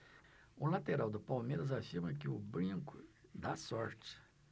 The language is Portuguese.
o lateral do palmeiras afirma que o brinco dá sorte